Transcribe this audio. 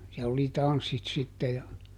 siellä oli tanssit sitten ja